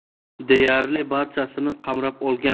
deyarli barchasini qamrab olgan